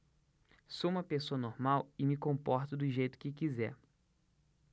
sou homossexual e me comporto do jeito que quiser